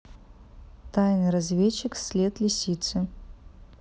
тайный разведчик след лисицы